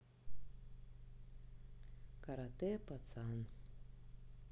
каратэ пацан